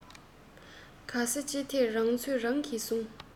གས ས ཅི ཐད རང ཚོད རང གིས བཟུང